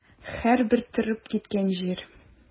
Һәрбер торып киткән җир.